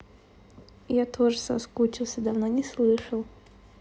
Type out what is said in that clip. я тоже соскучился давно не слышал